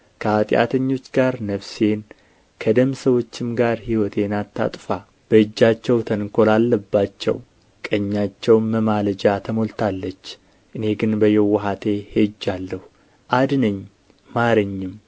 ከኃጢአተኞች ጋር ነፍሴን ከደም ሰዎችም ጋር ሕይወቴን አታጥፋ በእጃቸው ተንኰል አለባቸው ቀኛቸውም መማለጃ ተሞልታለች እኔ ግን በየውሃቴ ሄጃለሁ አድነኝ ማረኝም